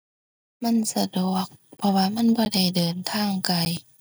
มันสะดวก เพราะว่ามันบ่ได้เดินทางไกล